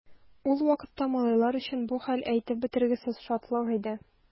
Ул вакытта малайлар өчен бу хәл әйтеп бетергесез шатлык иде.